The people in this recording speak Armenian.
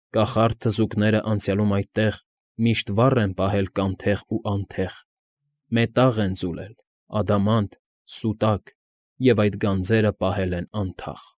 Կախարդ թզուկներն անցյալում այդտեղ Միշտ վառ են պահել կանթեղ ու անթեղ, Մետաղ են ձուլել, ադամանդ, սուտակ Եվ այդ գանձերը պահել են անթաղ։